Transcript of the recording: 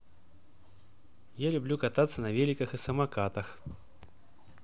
я люблю кататься на великах и самокатах